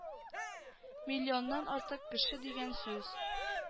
Миллионнан артык кеше дигән сүз